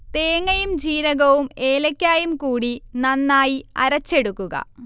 തേങ്ങയും ജീരകവും ഏലയ്ക്കായും കൂടി നന്നായി അരച്ചെടുക്കുക